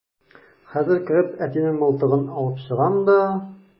Хәзер кереп әтинең мылтыгын алып чыгам да...